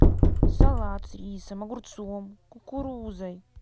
салат с рисом огурцом кукурузой